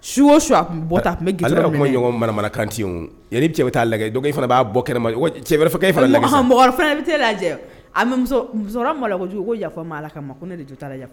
Su o su, a tun bɛ tan. A tun bɛ goudron minɛ. Ale ka kuma ɲɔgɔn manamanakan tɛ yen. Yanni cɛ i cɛ bɛ t'a lajɛ donc i fana b'a bɔ kɛnɛma, ni waati, cɛ wɛrɛ fana bɛ k'e lajɛ oo. Ɔnhɔn! Mɔgɔ wɛrɛ fana bɛ taa e lajɛ. Aa mais muso musokɔrɔba maloya kojugu ko yafa n ma Ala kama, ko n'e de jɔ t'a la, yaf